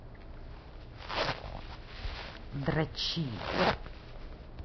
дрочи